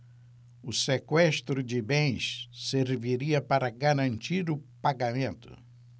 o sequestro de bens serviria para garantir o pagamento